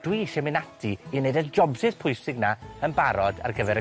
dwi isie myn' ati i neud y jobsys pwysig 'na yn barod ar gyfer y